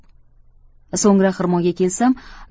so'ngra xirmonga kelsam